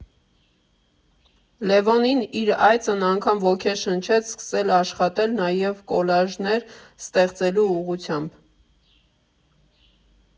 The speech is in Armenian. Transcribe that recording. Լևոնին իր այցն անգամ ոգեշնչեց սկսել աշխատել նաև կոլաժներ ստեղծելու ուղղությամբ։